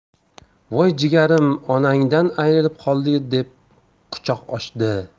voy jigarim onangdan ayrilib qoldik deb quchoq ochdi